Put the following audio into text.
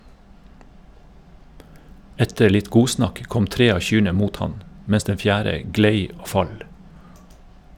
Etter litt godsnakk kom tre av kyrne mot han, mens den fjerde glei og fall.